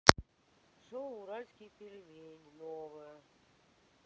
шоу уральские пельмени новое